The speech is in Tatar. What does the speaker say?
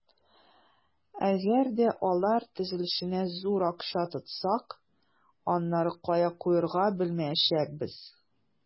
Әгәр дә алар төзелешенә зур акча тотсак, аннары кая куярга белмәячәкбез.